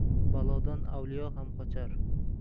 balodan avliyo ham qochar